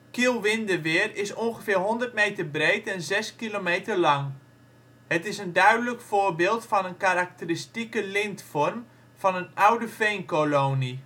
is ongeveer 100 meter breed en zes kilometer lang. Het is een duidelijk voorbeeld van de karakteristieke lintvorm van een oude veenkolonie